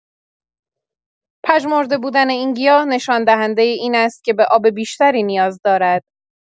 پژمرد بودن این گیاه نشان‌دهنده این است که به آب بیشتری نیاز دارد.